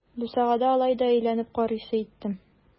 Бусагада алай да әйләнеп карыйсы иттем.